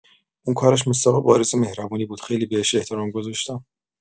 اون کارش مصداق بارز مهربونی بود، خیلی بهش احترام گذاشتم.